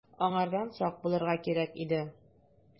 Аңардан сак булырга кирәк иде.